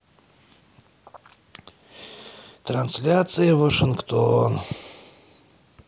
трансляция вашингтон